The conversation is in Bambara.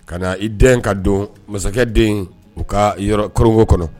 Ka na i den ka don masakɛ den in, u ka yɔrɔ, koorowo kɔnɔ.